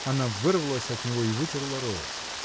Она вырвалась от него и вытерла рот.